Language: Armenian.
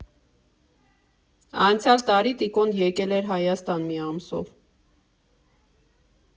Անցյալ տարի Տիկոն եկել էր Հայաստան մի ամսով։